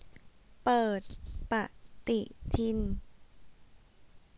เปิดปฎิทิน